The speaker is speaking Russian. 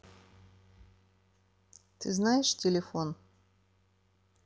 ты знаешь телефон